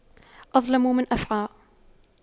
أظلم من أفعى